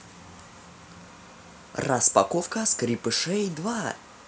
распаковка скрепышей два